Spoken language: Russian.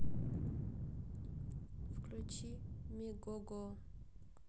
включи мегого